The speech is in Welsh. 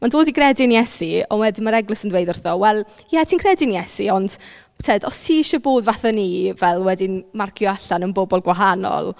Mae'n dod i gredu'n Iesu ond wedyn mae'r Eglwys yn dweud wrtho "wel ie ti'n credu'n Iesu ond tibod os ti isie bod fatha ni fel wedi marcio allan yn bobl gwahanol...